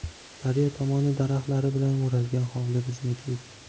daryo tomoni daraxtlar bilan o'ralgan hovli bizniki edi